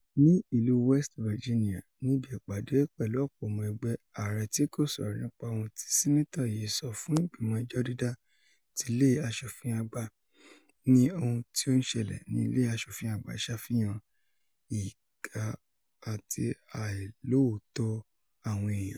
Ní ìlú West Virginia, níbi ìpàdé pẹ̀lú ọ̀pọ̀ ọmọ ẹgbẹ́, Ààrẹ tí kò sọrọ̀ nípa òun tí Sínátọ̀ yí sọ fún ìgbìmọ̀ ẹjọ́ dídá ti Ilé Aṣòfin Àgbà ní ohun tí ó ń ṣẹlẹ̀ ní Ilé Aṣòfin Àgbà ṣàfihàn “ìkà àti àìlóòótó” àwọn èèyàn.